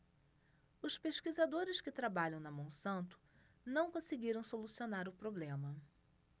os pesquisadores que trabalham na monsanto não conseguiram solucionar o problema